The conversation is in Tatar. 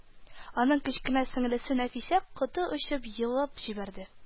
Аның кечкенә сеңлесе Нәфисә коты очып елап җибәрде